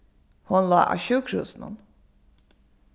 hon lá á sjúkrahúsinum